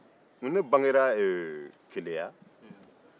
ne bangera keleya